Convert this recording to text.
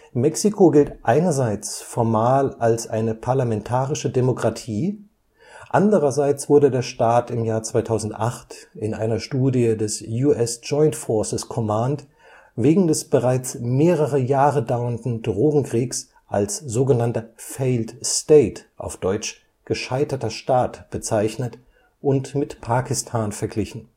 Mexiko gilt einerseits formal als eine parlamentarische Demokratie, andererseits wurde der Staat 2008 in einer Studie des U.S. Joint Forces Command wegen des bereits mehrere Jahre dauernden Drogenkriegs als failed state (Gescheiterter Staat) bezeichnet und mit Pakistan verglichen